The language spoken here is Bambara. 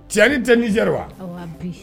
Cɛnɲɛnani tɛ ni ja wa